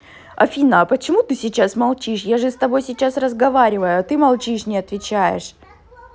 афина а почему ты сейчас молчишь я же с тобой сейчас разговариваю а ты молчишь не отвечаешь